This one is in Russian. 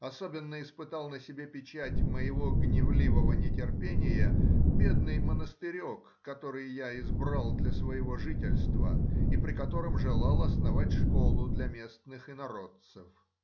Особенно испытал на себе печать моего гневливого нетерпения бедный монастырек, который я избрал для своего жительства и при котором желал основать школу для местных инородцев.